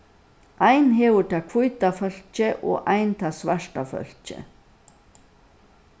ein hevur tað hvíta fólkið og ein tað svarta fólkið